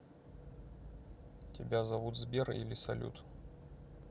тебя зовут сбер или салют